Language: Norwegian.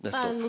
nettopp.